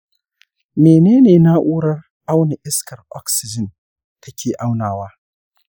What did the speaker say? mene ne na'urar auna iskar oxygen take aunawa?